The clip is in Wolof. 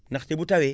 ndaxte bu tawee